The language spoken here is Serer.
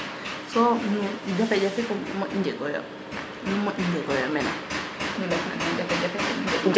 so nuun jafe jafe kum nu moƴu njego yo nu moƴu njego yo mene jafe jafe ko nu njegna